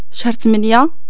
شهر تمنية